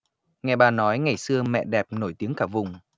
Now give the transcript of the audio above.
nghe ba nói ngày xưa mẹ đẹp nổi tiếng cả vùng